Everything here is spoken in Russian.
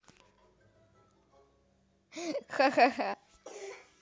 ха ха ха